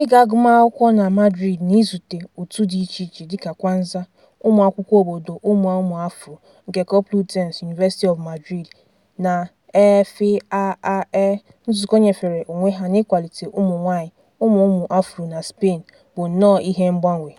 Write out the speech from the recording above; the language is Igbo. Ịga agụmakwụkwọ na Madrid na izute òtù dị icheiche dịka Kwanzza [ụmụakwụkwọ obodo ụmụ ụmụ-afro nke Complutense University of Madrid] na E.FA.A.E [Nzukọ nyefere onwe ha 'n'ịkwalite ụmụnwaanyị ụmụ ụmụ-afro' na Spain] bụ nnọọ ihe mgbanwe.